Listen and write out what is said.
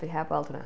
Dwi heb weld hwnna.